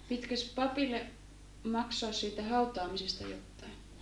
pitikös papille maksaa siitä hautaamisesta jotakin